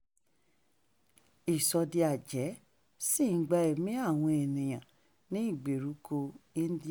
Ìṣọdẹ-àjẹ́ ṣì ń gba ẹ̀mí àwọn ènìyàn ní ìgbèríko India